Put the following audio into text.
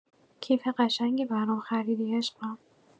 کیف قشنگی برام خریدی عشقم.